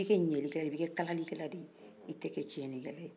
i bɛ kɛ ɲɛli kɛla de ye i bɛ kalali kɛla de ye i tɛ kɛ ciɲɛ kɛ la ye